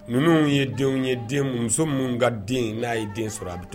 Ninnu ye denw ye den muso minnu ka den n'a ye den sɔrɔ a bi